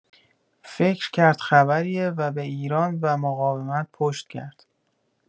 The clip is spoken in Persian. فکر کرد خبریه و به ایران و مقاومت پشت کرد